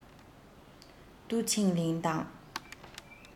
ཏུའུ ཆིང ལིན དང